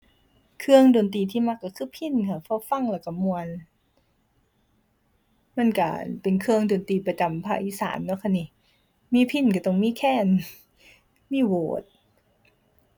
เครื่องดนตรีที่มักก็คือพิณค่ะ พอฟังแล้วก็ม่วน มันก็ อั่น เป็นเครื่องดนตรีประจำภาคอีสานเนาะค่ะหนิ มีพิณก็ต้องมีแคน มีโหวด